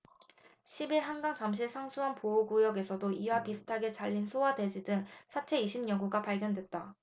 십 일 한강 잠실 상수원 보호구역에서도 이와 비슷하게 잘린 소와 돼지 등 사체 이십 여 구가 발견됐다